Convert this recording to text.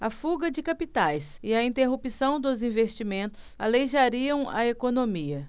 a fuga de capitais e a interrupção dos investimentos aleijariam a economia